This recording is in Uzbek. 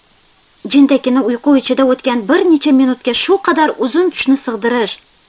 jindakkina uyqu ichida o'tgan bir necha minutga shu qadar uzun tushni sig'dirish